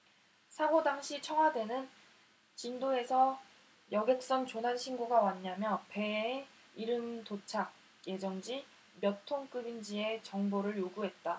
사고 당시 청와대는 진도에서 여객선 조난신고가 왔냐며 배의 이름 도착 예정지 몇 톤 급인지에 정보를 요구했다